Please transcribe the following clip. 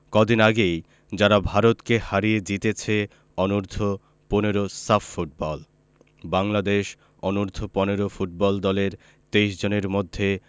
কদিন আগেই যারা ভারতকে হারিয়ে জিতেছে অনূর্ধ্ব ১৫ সাফ ফুটবল বাংলাদেশ অনূর্ধ্ব ১৫ ফুটবল দলের ২৩ জনের মধ্যে